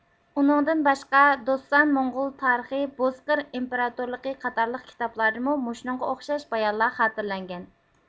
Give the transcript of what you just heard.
ئۇنىڭدىن باشقا دوسسان موڭغۇل تارىخى بوزقىر ئىمپېراتورلۇقى قاتارلىق كىتابلاردىمۇ مۇشۇنىڭغا ئوخشاش بايانلار خاتىرىلەنگەن